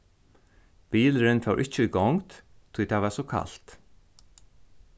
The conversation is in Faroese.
bilurin fór ikki í gongd tí tað var so kalt